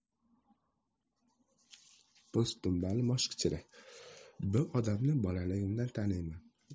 po'stdumbali moshkichiri bu odamni bolaligimdan taniyman